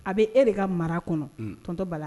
A bɛ e de ka mara kɔnɔ tɔntɔ bala la